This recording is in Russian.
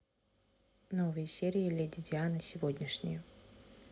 новые серии леди дианы сегодняшние